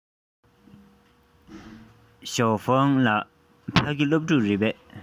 ཞའོ ཧྥུང ལགས ཕ གི སློབ ཕྲུག རེད པས